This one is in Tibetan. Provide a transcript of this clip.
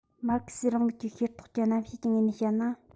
མར ཁེ སིའི རིང ལུགས ཀྱི ཤེས རྟོགས ཀྱི རྣམ བཤད ཀྱི ངོས ནས བཤད ན